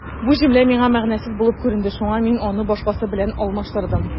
Бу җөмлә миңа мәгънәсез булып күренде, шуңа мин аны башкасы белән алмаштырдым.